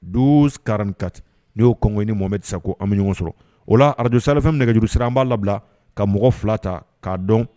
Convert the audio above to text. Donso karime kati n' y'o kɔnɔni momɛ tɛsa ko ami bɛ ɲɔgɔn sɔrɔ o la araj sa fɛn nɛgɛjuru sira an b'a labila ka mɔgɔ fila ta k'a dɔn